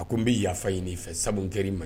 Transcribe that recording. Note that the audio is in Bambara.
A ko n bɛ yafa fa ɲini fɛ sabu kɛ i man